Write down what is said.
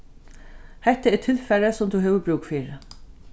hetta er tilfarið sum tú hevur brúk fyri